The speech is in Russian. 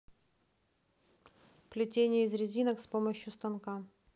плетение из резинок с помощью станка